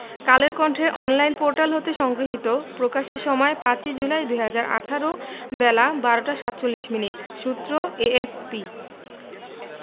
কালের কন্ঠের online portal হতে সংগৃহীত প্রকাশের সময় ৫ ই জুলাই ২০১৮ বেলা ১২টা ৪৭ মিনিট সূত্র এএফপি